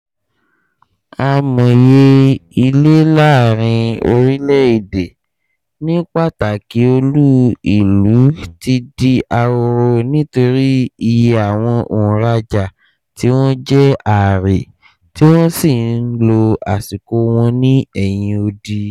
Àmọye ilé láàrin orílẹ̀ èdè - ní pàtàkì olú ìlú - ti di “ahoro” nítorí iye àwọn onràjà tí wọ́n jẹ́ àrè tí wọ́n sì ń lo àsìkò wọn ní ẹ̀yìn odi.